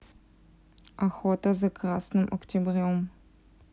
охота за красным октябрем